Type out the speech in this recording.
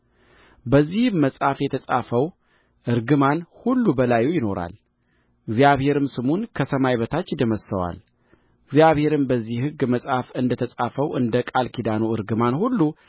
በዚህም መጽሐፍ የተጻፈው እርግማን ሁሉ በላዩ ይኖራል እግዚአብሔርም ስሙን ከሰማይ በታች ይደመስሰዋል እግዚአብሔርም በዚህ ሕግ መጽሐፍ እንደ ተጻፈው እንደ ቃል ኪዳኑ እርግማን ሁሉ